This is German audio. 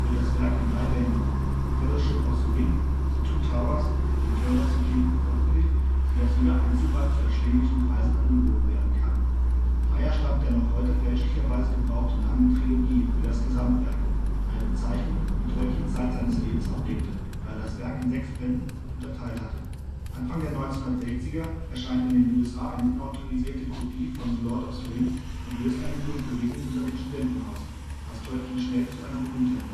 das Werk in drei Bänden (The Fellowship of the Ring, The Two Towers, The Return of the King) veröffentlicht, so dass jeder Einzelband zu erschwinglichen Preisen angeboten werden kann. Daher stammt der noch heute fälschlicherweise gebrauchte Name Trilogie für das Gesamtwerk, eine Bezeichnung, die Tolkien Zeit seines Lebens ablehnte, da er das Werk in sechs Bücher unterteilt hatte. Anfang der 1960er erscheint in den USA eine unautorisierte Kopie von The Lord of the Rings und löst eine Kultbewegung unter den Studenten aus, was Tolkien schnell zu einer Berühmtheit